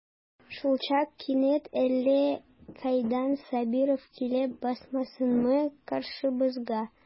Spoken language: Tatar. Шулчак кинәт әллә кайдан Сабиров килеп басмасынмы каршыбызга.